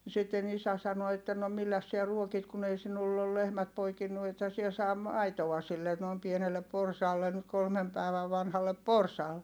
sitten isä sanoi että no milläs sinä ruokit kun ei sinulla ole lehmät poikinut ethän sinä saa maitoa sille noin pienelle porsaalle nyt kolme päivää vanhalle porsaalle